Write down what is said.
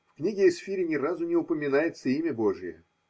В книге Эсфири ни разу не упоминается имя Божие.